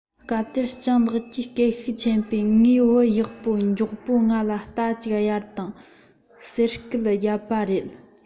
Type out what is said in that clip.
སྐབས དེར སྤྱང ལགས ཀྱིས སྐད ཤུགས ཆེན པོས ངའི བུ ཡག པོ མགྱོགས པོ ང ལ རྟ གཅིག གཡར དང ཟེར སྐད རྒྱབ པ རེད